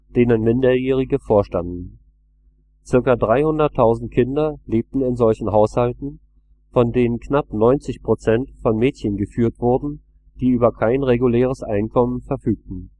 denen Minderjährige vorstanden. Zirka 300.000 Kinder lebten in solchen Haushalten, von denen knapp 90 Prozent von Mädchen geführt wurden, die über kein reguläres Einkommen verfügten